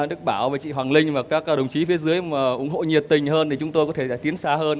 đức bảo và chị hoàng linh và các đồng chí phía dưới mà ủng hộ nhiệt tình hơn thì chúng tôi có thể tiến xa hơn